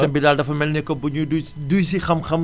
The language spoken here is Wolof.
système bi daal dafa mel ni que buñuy duy si duy si xam-xam